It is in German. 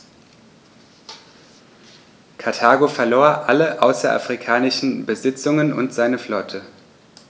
Karthago verlor alle außerafrikanischen Besitzungen und seine Flotte.